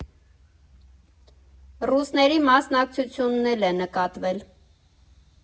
Ռուսների մասնակցությունն էլ է նկատվել.